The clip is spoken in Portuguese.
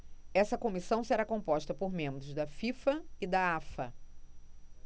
essa comissão será composta por membros da fifa e da afa